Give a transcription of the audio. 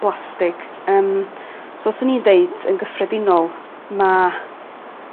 blastig yym so swn i'n deud yn gyffredinol ma'